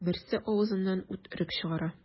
Берсе авызыннан ут өреп чыгара.